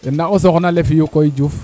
namo soxna le fi'u koy diouf